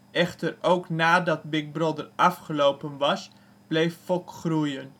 Echter ook nadat Big Brother afgelopen was bleef FOK! groeien